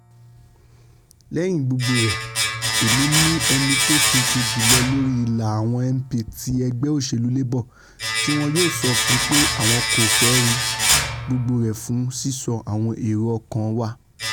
Lẹ́yìn gbogbo rẹ̀, Èmi ni ẹni tó tuntun jùlọ lórí ìlà àwọn MP ti ẹgbẹ́ òṣèlú Labour tíwọn yóò sọ fún pé àwọn kòfẹ́ rí - gbogbo rẹ̀ fún sísọ àwọn èrò ọkàn wa.